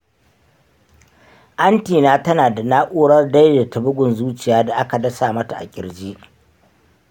anty na tana da na'urar daidaita bugun zuciya da aka dasa mata a ƙirji.